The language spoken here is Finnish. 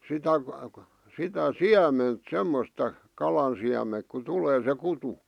sitä sitä siementä semmoista kalan siementä kun tulee se kutu